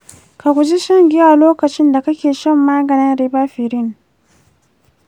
ka guji shan giya lokacinda kake shan maganin ribavirin.